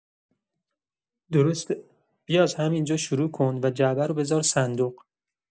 درسته، بیا از همین‌جا شروع کن و جعبه رو بذار صندوق.